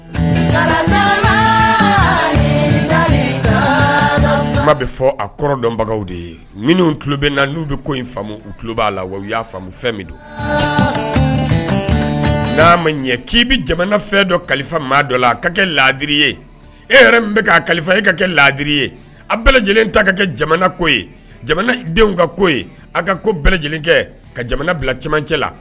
Bɛ fɔ a kɔrɔdɔnbagaw de ye minnu bɛ na n' bɛ ko fa tulo la y'a n'a ma ɲɛ k'i bɛ jamana fɛn dɔ kalifa maa dɔ la a ka kɛ laadiri ye e yɛrɛ bɛ kalifa e ka kɛ laadiri ye a bɛɛ lajɛlen ta ka kɛ jamana ko jamanadenw ka ko a ka ko bɛɛ lajɛlenkɛ ka jamana bila cɛmancɛ la